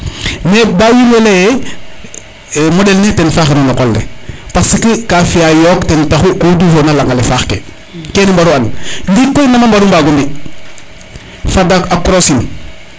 mais ba wiin we leye moɗel ne ten faxeru no qol le parce que ka fiya yooq ten taxu ku dufona a laŋale faax ke kene mbaru an ndiki koy nama mbaru mbago mbi fada korosin